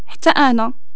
حتا أنا